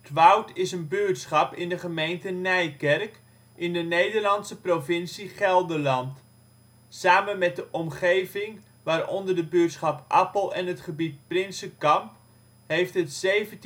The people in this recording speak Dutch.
Woud is een buurtschap in de gemeente Nijkerk, in de Nederlandse provincie Gelderland. Samen met de omgeving, waaronder de buurtschap Appel en het gebied Prinsenkamp, heeft het